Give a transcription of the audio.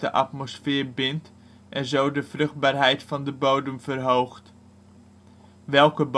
atmosfeer bindt en zo de vruchtbaarrheid van de bodem verhoogt. Welke